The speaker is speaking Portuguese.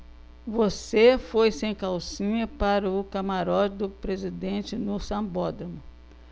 você foi sem calcinha para o camarote do presidente no sambódromo